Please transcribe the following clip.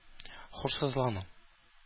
Һушсызлану